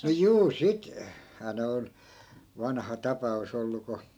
no juu - sittenhän ne on vanha tapaus ollut kun